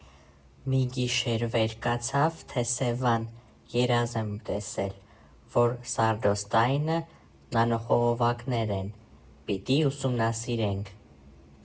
«Մի գիշեր վեր կացավ, թե՝ Սևան, երազ եմ տեսել, որ սարդոստայնը նանոխողովակներ են, պիտի ուսումնասիրենք։